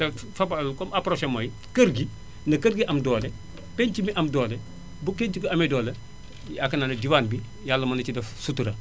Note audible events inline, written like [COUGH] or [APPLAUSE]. [HESITATION] Fapal comme approche am mooy kër gi na kër gi am doole penc mi am doole bu penc bi amee doole [NOISE] yaakaar naa ne diwaan bi Yàlla mën na ci def sutura